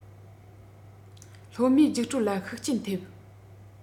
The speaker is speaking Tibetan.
སློབ མའི རྒྱུགས སྤྲོད ལ ཤུགས རྐྱེན ཐེབས